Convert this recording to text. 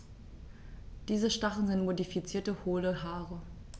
Diese Stacheln sind modifizierte, hohle Haare.